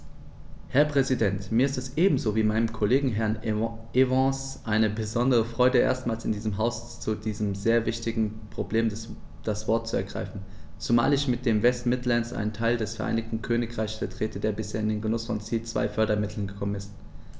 Herr Präsident, mir ist es ebenso wie meinem Kollegen Herrn Evans eine besondere Freude, erstmals in diesem Haus zu diesem sehr wichtigen Problem das Wort zu ergreifen, zumal ich mit den West Midlands einen Teil des Vereinigten Königreichs vertrete, der bisher in den Genuß von Ziel-2-Fördermitteln gekommen ist.